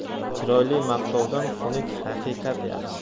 chiroyli maqtovdan xunuk haqiqat yaxshi